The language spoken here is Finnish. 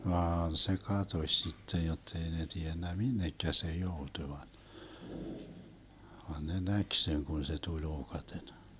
vaan se katosi sitten jotta ei ne tiennyt minne se joutui vaan vaan ne näki sen kun se tuli ookaten